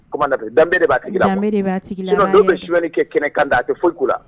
Kumana be danbe de b'a tigi la quoi danbe de b'a tigi la a b'a yɛrɛ dɔn sinon dɔw be suɲɛni kɛ kɛnɛkanda a te foyi k'u la